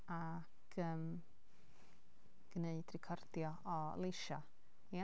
Ac yym gwneud recordio o leisiau ie?